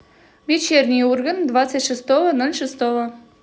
вечерний ургант двадцать шестого ноль шестого